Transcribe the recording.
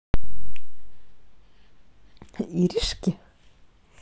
иришки